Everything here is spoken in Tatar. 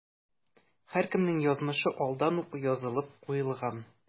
Һәркемнең язмышы алдан ук язылып куелган.